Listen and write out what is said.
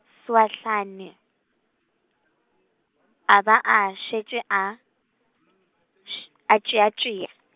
Swahlane , a ba a šetše a , š- a tšea tšea.